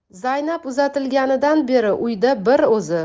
zaynab uzatilganidan beri uyda bir o'zi